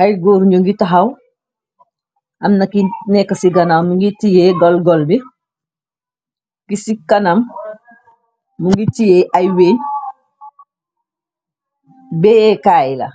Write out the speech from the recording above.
Ay góor ñu ngi taxaw. Amna ki nekk ci ganaw mingi tiyée gol gol bi, ki ci kanam mu ngi tiyée ay wenye béyeekaay la,